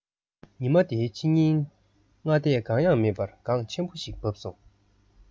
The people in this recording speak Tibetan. ཉི མ དེའི ཕྱི ཉིན སྔ ལྟས གང ཡང མེད པར གངས ཆེན པོ ཞིག བབས སོང